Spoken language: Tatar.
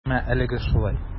Әмма әлегә шулай.